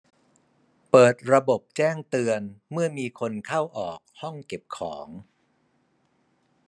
เปิดระบบแจ้งเตือนเมื่อมีคนเข้าออกห้องเก็บของ